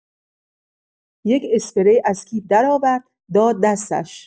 یه اسپری از کیف درآورد، داد دستش.